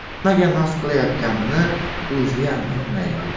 nimaga noz qilayotganini o'ziyam bilmaydi